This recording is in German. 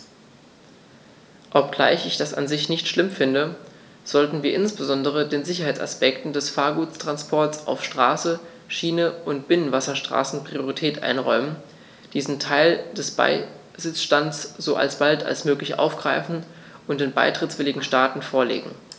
Obgleich ich das an sich nicht schlimm finde, sollten wir insbesondere den Sicherheitsaspekten des Gefahrguttransports auf Straße, Schiene und Binnenwasserstraßen Priorität einräumen, diesen Teil des Besitzstands so bald als möglich aufgreifen und den beitrittswilligen Staaten vorlegen.